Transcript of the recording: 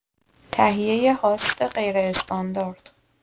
تهیه هاست غیراستاندارد